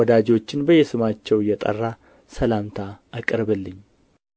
ወዳጆችን በየስማቸው እየጠራህ ሰላምታ አቅርብልኝ